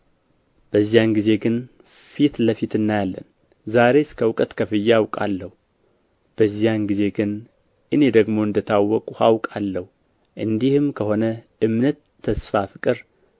በዚያን ጊዜ ግን ፊት ለፊት እናያለን ዛሬስ ከእውቀት ከፍዬ አውቃለሁ በዚያን ጊዜ ግን እኔ ደግሞ እንደ ታወቅሁ አውቃለሁ እንዲህም ከሆነ እምነት ተስፋ ፍቅር